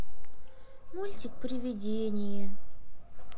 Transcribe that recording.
мультик приведение